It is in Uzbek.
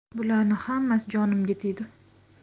bularning hammasi jonimga tegdi